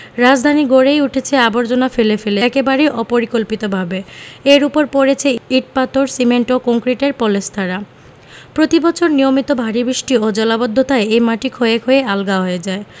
রাজধানী গড়েই উঠেছে আবর্জনা ফেলে ফেলে একেবারেই অপরিকল্পিতভাবে এর ওপর পড়েছে ইট পাথর সিমেন্ট ও কংক্রিটের পলেস্তারা প্রতিবছর নিয়মিত ভারি বৃষ্টি ও জলাবদ্ধতায় এই মাটি ক্ষয়ে ক্ষয়ে আলগা হয়ে যায়